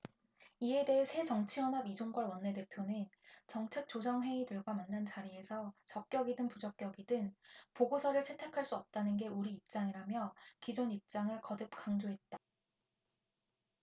이에 대해 새정치연합 이종걸 원내대표는 정책조정회의 들과 만난 자리에서 적격이든 부적격이든 보고서를 채택할 수 없다는 게 우리 입장이라며 기존 입장을 거듭 강조했다